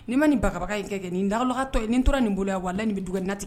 Ni ma nin babaga in kɛ kɛ nin dakatɔ nin tora nin bolo yan wa nin bɛ dug natigɛ